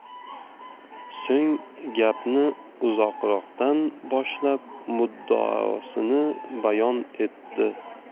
so'ng gapni uzoqroqdan boshlab muddaosini bayon etdi